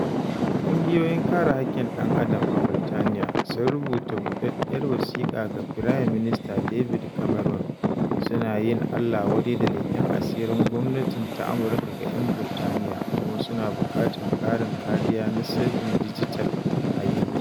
Ƙungiyoyin kare haƙƙin ɗan adam a Burtaniya sun rubuta buɗaɗɗiyar wasiƙa ga Firayim Minista David Cameron, suna yin Allah wadai da leƙen asirin gwamnati ta Amurka ga 'yan Burtaniya kuma suna buƙatar ƙarin kariya na sirrin dijital a UK.